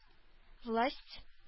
Власть